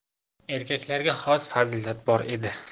erkaklarga xos fazilat bor edi